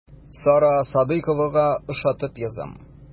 Сара Садыйковага ошатып язам.